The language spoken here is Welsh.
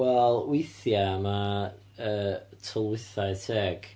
Wel, weithiau ma', yy, tylwythau teg.